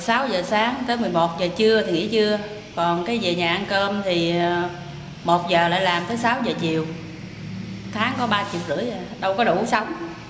sáu giờ sáng tới mười một giờ trưa thì nghỉ dưa còn cái về nhà ăn cơm thì một giờ lại làm tới sáu giờ chiều tháng có ba triệu rưỡi à đâu có đủ sống